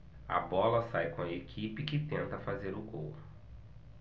a bola sai com a equipe que tenta fazer o gol